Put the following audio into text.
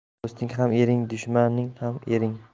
do'sting ham ering dushmaning ham ering